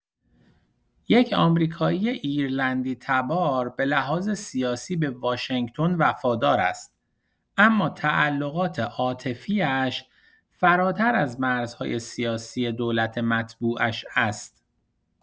یک آمریکایی ایرلندی تبار به لحاظ سیاسی به واشنگتن وفادار است، اما تعلقات عاطفی‌اش فراتر از مرزهای سیاسی دولت متبوعش است.